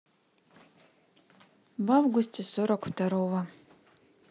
в августе сорок второго